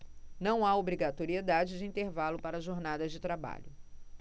não há obrigatoriedade de intervalo para jornadas de trabalho